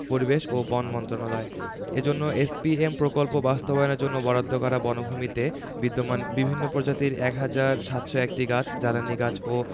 পরিবেশ ও বন মন্ত্রণালয় এজন্য এসপিএম প্রকল্প বাস্তবায়নের জন্য বরাদ্দ করা বনভূমিতে বিদ্যমান বিভিন্ন প্রজাতির ১ হাজার ৭০১টি গাছ জ্বালানি গাছ ও